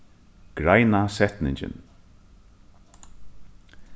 greina setningin